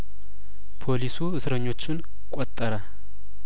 ፖሊሱ እስረኞቹን ቆጠረ